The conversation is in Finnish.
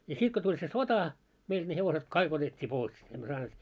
ja sitten kun tuli se sota meille ne hevoset kaikki otettiin pois emme saaneet